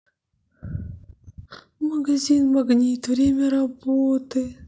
магазин магнит время работы